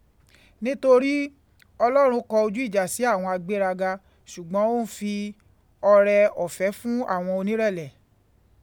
nítorí Ọlọ́run kọ ojú ìjà sí àwọn agbéraga, ṣùgbọ́n Ó ń fi ọrẹ ọ̀fẹ́ fún àwọn onírẹ̀lẹ̀.